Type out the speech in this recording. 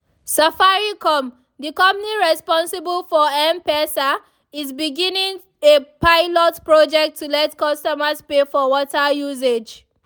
Safaricom, the company responsible for M-Pesa, is beginning a pilot project to let customers pay for water usage.